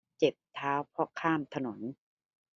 เจ็บเท้าเพราะข้ามถนน